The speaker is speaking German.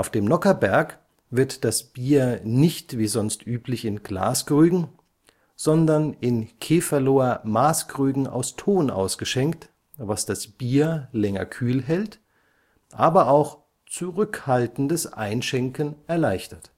dem Nockherberg wird das Bier nicht wie sonst üblich in Glaskrügen, sondern in Keferloher Maßkrügen aus Ton ausgeschenkt, was das Bier länger kühl hält, aber auch „ zurückhaltendes “Einschenken erleichtert